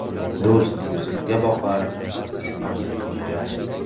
do'st yuzingga boqar dushman izingga